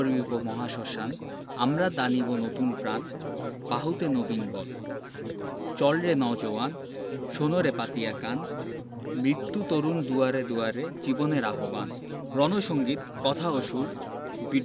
নব নবীনের গাহিয়া গান সজীব করিব মহাশ্মশান আমরা দানিব নতুন প্রাণ বাহুতে নবীন বল চল রে নওজোয়ান শোন রে পাতিয়া কান মৃত্যু তরুণ দুয়ারে দুয়ারে জীবনের আহবান